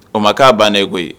O ma ko'a bannanen ye koyi